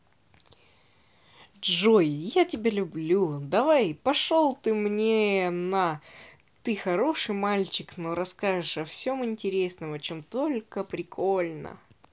джой я тебя люблю давай пошел ты мне на ты хороший мальчик но расскажешь о всем интересном о чем таком прикольно